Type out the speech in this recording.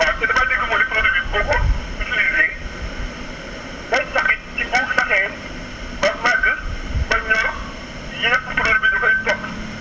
waaw te damaa dégg mu ne produit bi boo ko utilisé dey sax it ci bu saxee ba màgg ba ñor yëpp produit ba da koy *